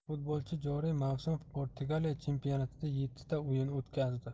futbolchi joriy mavsum portugaliya chempionatida yettita o'yin o'tkazdi